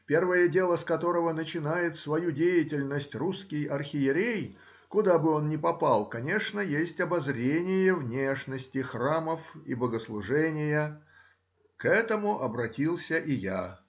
Первое дело, с которого начинает свою деятельность русский архиерей, куда бы он ни попал, конечно есть обозрение внешности храмов и богослужения,— к этому обратился и я